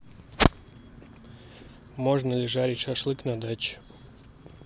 можно ли жарить шашлык на даче